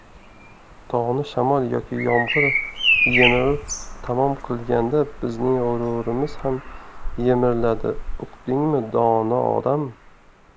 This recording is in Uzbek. tog'ni shamol yoki yomg'ir yemirib tamom qilganda bizning g'ururimiz ham yemiriladi uqdingmi dono odam